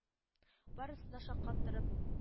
Барысын да шаккаттырып